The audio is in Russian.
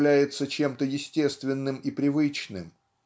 является чем-то естественным и привычным.